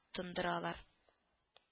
Тондыралар